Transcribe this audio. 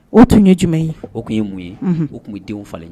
O tun ye jumɛn ye o tun ye mun ye o tun ye denw falen ye